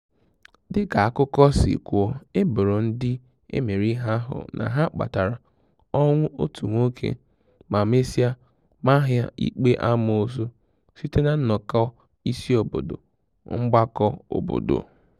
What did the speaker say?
Dịka akụkọ si kwuo, eboro ndị emere ihe ahụ na ha kpatara ọnwụ otu nwoke ma mesịa maa ha ikpe amoosu site na nnọkọ isi obodo (mgbakọ obodo).